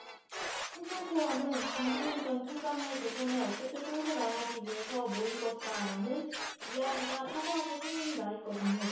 충청포럼은 반기문 전 총장을 대선에 어떻게 끌고 나가기 위해서 모인 것이다라는 이야기가 파다하게 소문이 나 있거든요